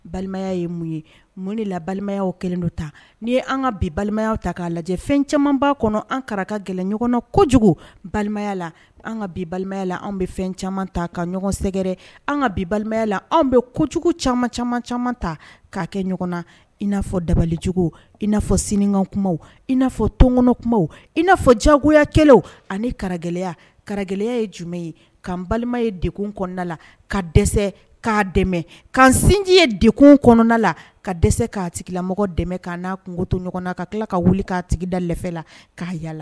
Balimaya ye mun ye mun ni la balimayaw kɛlen don ta ni an ka bi balimayaw ta k'a lajɛ fɛn caman' kɔnɔ an karata gɛlɛn ɲɔgɔn na ko kojugu balimaya la an ka bi balimaya la anw bɛ fɛn caman ta ka ɲɔgɔn sɛgɛrɛ an ka bi balimaya la anw bɛ kojugu caman caman caman ta ka kɛ ɲɔgɔn na in n'afɔ dabalijugu in n'a fɔ sinkan kuma n'a fɔ tɔnonkɔnɔ kuma in n'a fɔ diyagoyakɛlaw ani karaya karaya ye jumɛn ye ka balima ye dekun kɔnɔna la ka dɛsɛ k'a dɛmɛ' sinji ye dekun kɔnɔna la ka dɛsɛ k'a tigilamɔgɔ dɛmɛ ka n'a kungo to ɲɔgɔn na ka tila ka wuli k'a tigidalɛfɛla k'a yalala